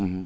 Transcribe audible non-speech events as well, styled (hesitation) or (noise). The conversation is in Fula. (hesitation) (hesitation)